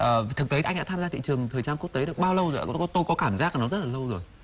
ờ thực tế anh đã tham gia thị trường thời trang quốc tế được bao lâu rồi ạ tôi tôi có cảm giác nó rất là lâu rồi